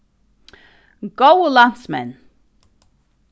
góðu landsmenn